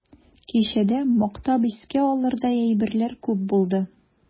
Кичәдә мактап искә алырдай әйберләр күп булды.